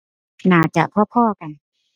น่าจะพอพอกัน